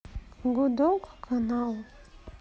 гудок канал